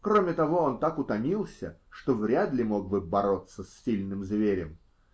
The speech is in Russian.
кроме того, он так утомился, что вряд ли мог бы бороться с сильным зверем.